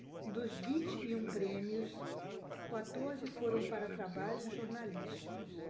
dos vinte e um prêmios quatorze foram para trabalhos jornalísticos